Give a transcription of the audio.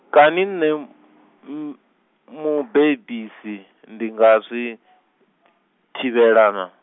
kani nṋe, m- mubebisi, ndi nga zwi , t- thivhela naa?